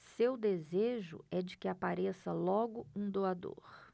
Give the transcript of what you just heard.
seu desejo é de que apareça logo um doador